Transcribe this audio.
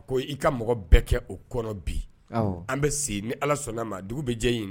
A ko i ka mɔgɔ bɛɛ kɛ o kɔnɔ bi an bɛ se ni ala sɔnna ma dugu bɛ jɛ in